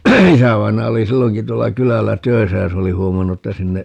isävainaja oli silloinkin tuolla kylällä töissä ja se oli huomannut että sinne